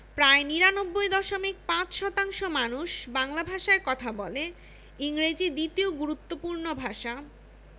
প্রায় ৯৯দশমিক ৫শতাংশ মানুষ বাংলা ভাষায় কথা বলে ইংরেজি দ্বিতীয় গুরুত্বপূর্ণ ভাষা